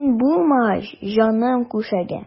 Син булмагач җаным күшегә.